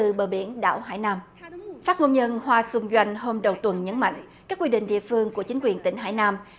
từ bờ biển đảo hải nam phát ngôn nhân hoa xuân doanh hôm đầu tuần nhấn mạnh các quy định địa phương của chính quyền tỉnh hải nam